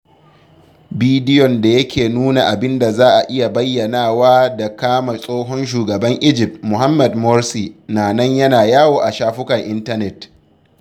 Bidiyon da yake nuna abin da za a iya bayyanawa da kama tsohon Shugaban Egypt, Mohammed Morsi na nan yana yawo a shafukan intanet.